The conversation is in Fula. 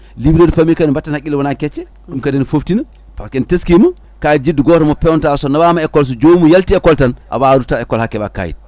livret de famille kadi batten haqqille wona kecce ɗum kadi ne foftina tawa ken teskima kayit juddu gogto mo pewnata o so nawama école so jomum yalti école tan a wawa ruttade école ha keeɓa kayit